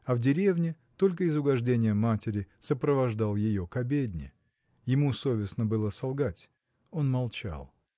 а в деревне, только из угождения матери, сопровождал ее к обедне. Ему совестно было солгать. Он молчал.